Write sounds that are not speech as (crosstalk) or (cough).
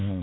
(hesitation) (hesitation)